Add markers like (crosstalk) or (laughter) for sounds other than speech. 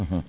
(hesitation) (hesitation)